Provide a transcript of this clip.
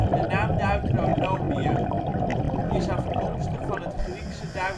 De naam Deuteronomium is afkomstig van het Griekse Deuteronomion